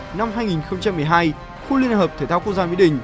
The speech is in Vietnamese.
năm hai nghìn không trăm mười hai khu liên hợp thể thao quốc gia mỹ đình